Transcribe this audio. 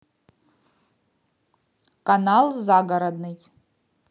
канал загородный